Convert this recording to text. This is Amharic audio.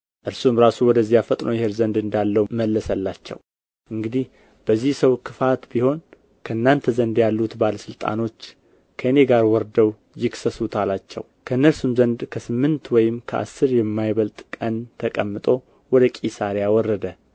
እርሱም ራሱ ወደዚያ ፈጥኖ ይሄድ ዘንድ እንዳለው መለሰላቸው እንግዲህ በዚህ ሰው ክፋት ቢሆን ከእናንተ ዘንድ ያሉት ባለ ስልጣኖች ከእኔ ጋር ወርደው ይክሰሱት አላቸው በእነርሱም ዘንድ ከስምንት ወይም ከአስር የማይበልጥ ቀን ተቀምጦ ወደ ቂሳርያ ወረደ